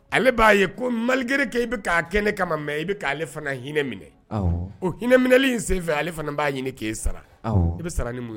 Ale b'a ye ko malikɛrikɛ i bɛ k'a kɛ ne kama mɛn i bɛ k'ale ale fana hinɛ minɛ ko hinɛminɛli in sen fɛ ale fana b'a ɲini k'e sara i bɛ sara ni ye